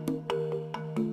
Kelen